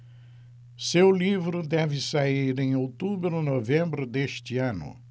seu livro deve sair em outubro ou novembro deste ano